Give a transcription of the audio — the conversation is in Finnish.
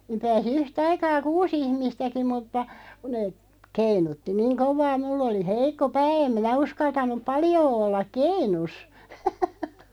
niin pääsi yhtä aikaa kuusi ihmistäkin mutta kun ne keinutti niin kovaa minulla oli heikko pää en minä uskaltanut paljoa olla keinussa